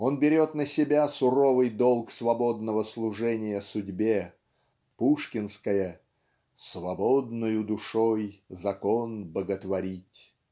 он берет на себя суровый долг свободного служения судьбе (пушкинское "свободною душой закон боготворить")